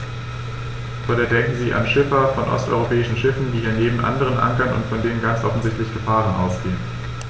Oder denken Sie an Schiffer von osteuropäischen Schiffen, die hier neben anderen ankern und von denen ganz offensichtlich Gefahren ausgehen.